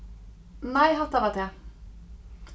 nei hatta var tað